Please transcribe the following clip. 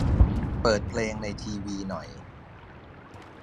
เปิดเพลงในทีวีหน่อย